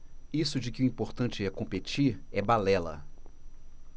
isso de que o importante é competir é balela